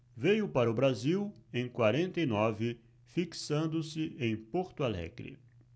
veio para o brasil em quarenta e nove fixando-se em porto alegre